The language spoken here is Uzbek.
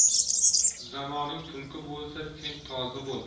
zamoning tulki bo'lsa sen tozi bo'l